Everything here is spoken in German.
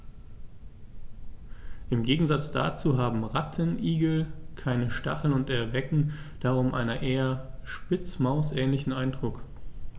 Im Gegensatz dazu haben Rattenigel keine Stacheln und erwecken darum einen eher Spitzmaus-ähnlichen Eindruck.